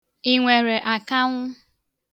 Ị nwere akanwụ?